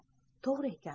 to'g'ri ekan